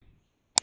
རྩོམ རིག དང